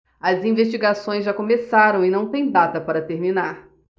as investigações já começaram e não têm data para terminar